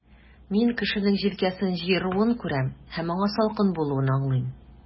Мин кешенең җилкәсен җыеруын күрәм, һәм аңа салкын булуын аңлыйм.